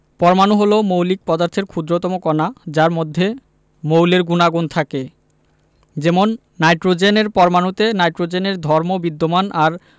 পরমাণু হলো মৌলিক পদার্থের ক্ষুদ্রতম কণা যার মধ্যে মৌলের গুণাগুণ থাকে যেমন নাইট্রোজেনের পরমাণুতে নাইট্রোজেনের ধর্ম বিদ্যমান আর